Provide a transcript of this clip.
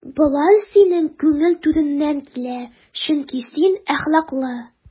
Болар синең күңел түреннән килә, чөнки син әхлаклы.